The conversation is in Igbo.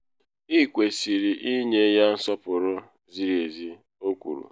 Ị kwesịrị ịnye ya nsọpụrụ ziri ezi, “o kwuru.